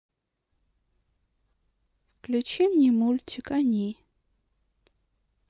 включи мне мультик они